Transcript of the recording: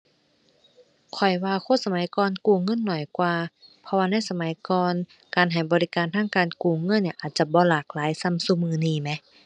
ข้อยว่าคนสมัยก่อนกู้เงินน้อยกว่า เพราะว่าในสมัยก่อนการให้บริการทางการกู้เงินเนี่ย อาจจะบ่หลากหลายส่ำซุมื้อนี้แหม